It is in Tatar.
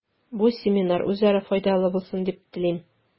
Бу семинар үзара файдалы булсын дип телим.